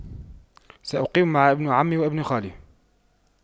سأقيم مع ابن عمي وابن خالي